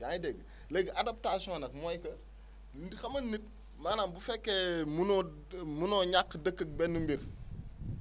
yaa ngi dégg léegi adaption nag mooy que xam nga nit maanaam bu fekkee mënoo mënoo ñàkk dëkk ak benn mbir